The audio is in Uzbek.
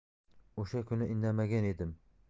o'sha kuni indamagan edim